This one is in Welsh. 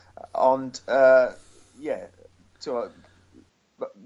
Yy ond yy ie t'mo'